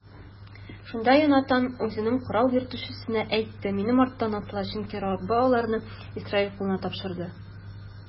Шунда Йонатан үзенең корал йөртүчесенә әйтте: минем арттан атла, чөнки Раббы аларны Исраил кулына тапшырды.